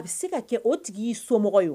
A bɛ se ka kɛ o tigi y'i somɔgɔ ye